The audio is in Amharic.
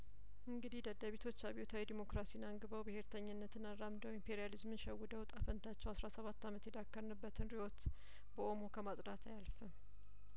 እንግዲህ ደደቢቶች አብዮታዊ ዲሞክራሲን አንግ በው ብሄርተኝነትን አራምደው ኢምፔሪያሊዝምን ሸውደው እጣፋንታቸው አስራ ሰባት አመት የዳከርንበትን ርእዮት በኦሞ ከማጽዳት አያልፍም